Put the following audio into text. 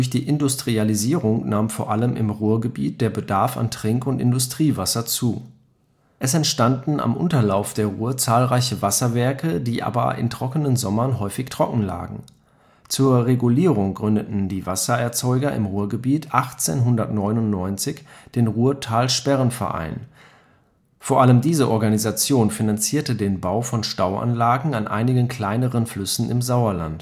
die Industrialisierung nahm vor allem im Ruhrgebiet der Bedarf an Trink - und Industriewasser zu. Es entstanden am Unterlauf der Ruhr zahlreiche Wasserwerke, die aber in trockenen Sommern häufig trockenlagen. Zur Regulierung gründeten die Wassererzeuger im Ruhrgebiet 1899 den Ruhrtalsperrenverein. Vor allem diese Organisation finanzierte den Bau von Stauanlagen an einigen kleineren Flüssen im Sauerland